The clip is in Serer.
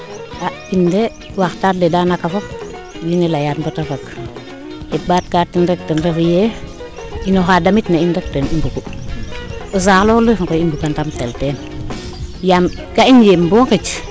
in de waxtaan le danaka fop wiin we leyaan bata fag keem mbaat ka teen rek ten refu yee in oxa damit na in rek ten i mbugu o saaxo lu refna koy i mbuga ndam tel teen yaam ka i njeem bo xij